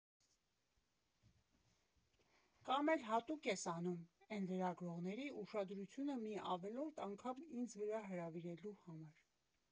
Կամ էլ հատուկ ես անում, էն լրագրողների ուշադրությունը մի ավելորդ անգամ ինձ վրա հրավիրելու համար։